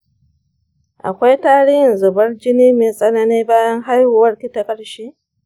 akwai tarihin zubar jini mai tsanani bayan haihuwarki ta ƙarshe?